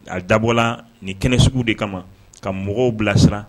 A dabɔla ni kɛnɛ sugu de kama ka mɔgɔw bilasira